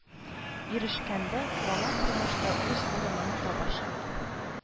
Ирешкәндә, бала тормышта үз урынын табачак